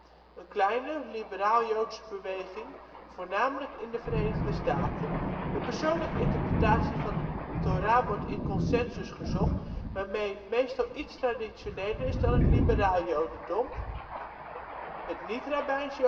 kleine, liberale joodse beweging, voornamelijk in de Verenigde Staten. De persoonlijke interpretatie van de Thora wordt in consensus gezocht, waarmee het meestal iets traditioneler is dan het liberaal jodendom. Niet-rabbijns jodendom